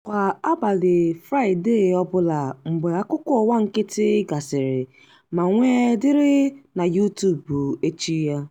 Kwa abalị Fraịdei ọbụla mgbe akụkọ ụwa nkịtị gasịrị, ma wee dịrị na YouTube echi ya).